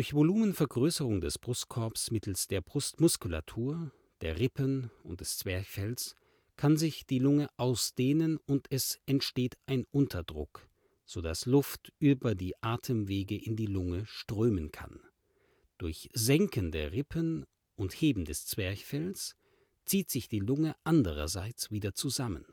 Volumenvergrößerung des Brustkorbs mittels der Brustmuskulatur, der Rippen und des Zwerchfells kann sich die Lunge ausdehnen und es entsteht ein Unterdruck, so dass Luft über die Atemwege in die Lunge strömen kann. Durch Senken der Rippen und Heben des Zwerchfells zieht sich die Lunge andererseits wieder zusammen